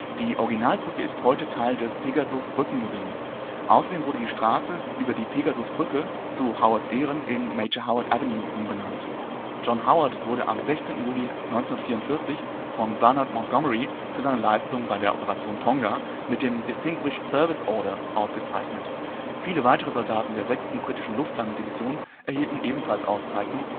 Die Originalbrücke ist heute Teil des Pegasusbrücken-Museums. Außerdem wurde die Straße über die Pegasus Brücke zu Howards Ehren in " Major Howard Avenue " umbenannt. John Howard wurde am 16. Juli 1944 von Bernard Montgomery für seine Leistungen bei der Operation Tonga mit dem Distinguished Service Order ausgezeichnet. Viele weitere Soldaten der 6. Britischen Luftlandedivision erhielten ebenfalls Auszeichnungen